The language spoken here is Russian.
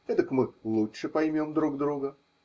Этак мы лучше поймем друг друга.